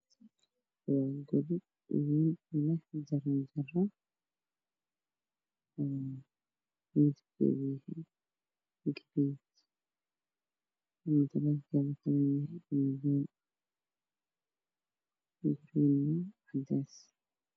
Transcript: Waa meel wado ah waxaa marayo gaariyaal iyo dad badan oo wadada marayo